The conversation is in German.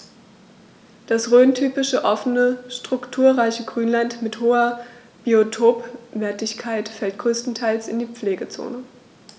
Das rhöntypische offene, strukturreiche Grünland mit hoher Biotopwertigkeit fällt größtenteils in die Pflegezone.